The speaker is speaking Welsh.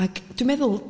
ag dwi meddwl